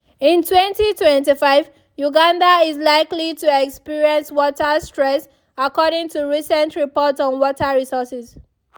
In 2025, Uganda is likely to experience water stress according to recent report on water resources.